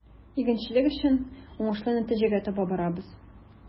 Игенчелек өчен уңышлы нәтиҗәгә таба барабыз.